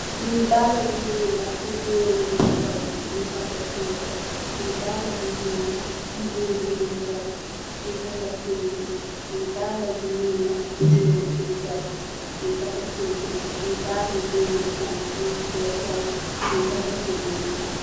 Lii dalla bu ñuul la, bi gór yi deh sol ñiñ ko tek fu ñuul.